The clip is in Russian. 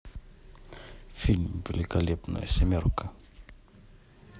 фильм великолепная семерка